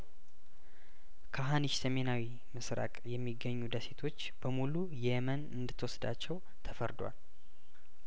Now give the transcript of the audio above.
ከሀኒሽ ሰሜናዊ ምስራቅ የሚገኙ ደሴቶች በሙሉ የመን እንድት ወስዳቸው ተፈርዷል